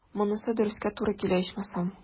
Монысы дөрескә туры килә, ичмасам.